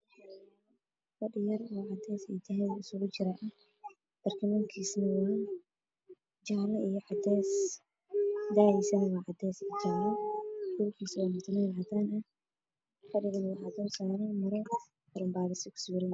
Waa fadhi waxaa saaran barkimo midifkoodi yihiin qaxwi haddaan dhulka waashu mac oo matoleel